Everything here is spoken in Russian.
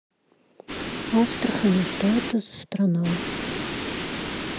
астрахань а что это страна